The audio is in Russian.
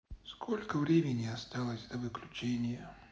сколько времени осталось до выключения